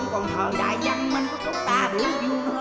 còn thời